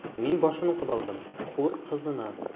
Мин башын укып алдым: “Хур кызына”.